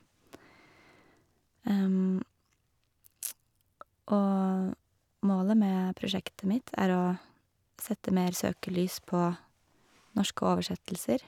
Og målet med prosjektet mitt er å sette mer søkelys på norske oversettelser.